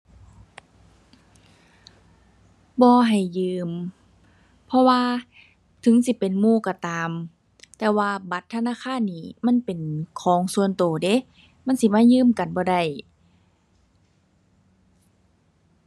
บ่ให้ยืม เพราะว่าถึงสิเป็นหมู่ก็ตาม แต่ว่าบัตรธนาคารนี่มันเป็นของส่วนก็เดะ มันสิมายืมกันบ่ได้